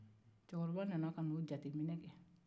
cɛkɔrɔba nana ka n'o jateminɛ kɛ